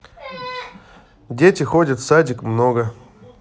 дети ходят в садик много